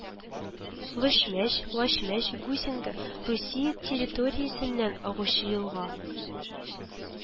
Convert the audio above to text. Лочмяш Лачмяш, Гусинка Русия территориясеннән агучы елга